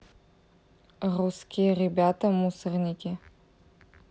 русские ребята мусорники